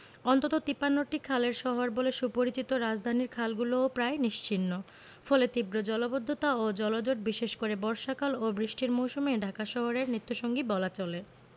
অন্তত ৫৩টি খালের শহর বলে সুপরিচিত রাজধানীর খালগুলোও প্রায় নিশ্চিহ্ন ফলে তীব্র জলাবদ্ধতা ও জলজট বিশেষ করে বর্ষাকাল ও বৃষ্টির মৌসুমে ঢাকা শহরের নিত্যসঙ্গী বলা চলে